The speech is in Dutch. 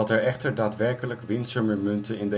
echter daadwerkelijk Winsumer munten